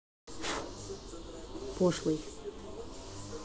пошлый